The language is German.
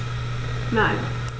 Nein.